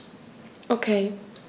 Okay.